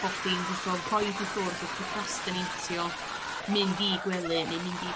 bo' chdi'n so't of rhoid i ffwrdd so procrastyneintio mynd i gwely neu mynd i